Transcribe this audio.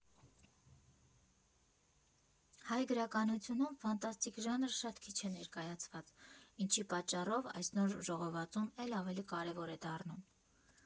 Հայ գրականությունում ֆանտաստիկ ժանրը շատ քիչ է ներկայացված, ինչի պատճառով այս նոր ժողովածուն է՛լ ավելի կարևոր է դառնում։